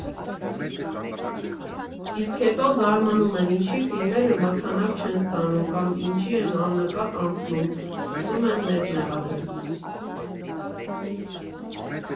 Իսկ հետո զարմանում են՝ ինչի ֆիլմերը մրցանակ չեն ստանում, կամ ինչի են աննկատ անցնում, սկսում են մեզ մեղադրել։